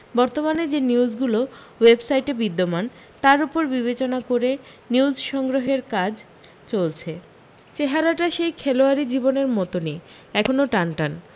বর্তমানে যে নিউজগুলো ওয়েবসাইটে বিদ্যমান তার উপর বিবেচনা করে নিউজ সংগ্রহের কাজ চলছে চেহারাটা সেই খেলোয়াড়ী জীবনের মতোনি এখনও টানটান